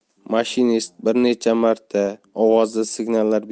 mashinist bir necha marta ovozli signallar